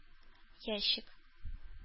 Ящик